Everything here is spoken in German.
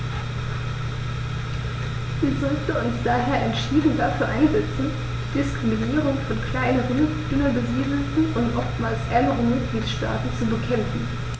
Wir sollten uns daher entschieden dafür einsetzen, die Diskriminierung von kleineren, dünner besiedelten und oftmals ärmeren Mitgliedstaaten zu bekämpfen.